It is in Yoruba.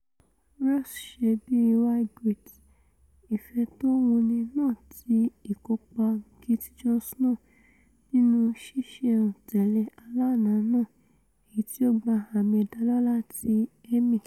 Rose ṣe bíi Ygritte, ìfẹ́ tówuni náà ti ìkópa Kit Jon Snow, nínú ṣíṣẹ̀-n-tẹ̀lé aláàlá náà èyití ó gba àmì-ìdálọ́lá ti Emmy.